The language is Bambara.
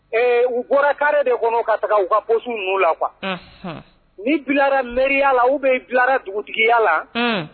U bɔrakarire de kɔnɔ ka taga u ka psi n'u la qu ni bilara mya la u bɛ bilara dugutigiya la